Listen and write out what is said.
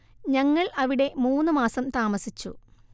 ഞങ്ങൾ അവിടെ മൂന്ന് മാസം താമസിച്ചു